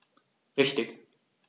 Richtig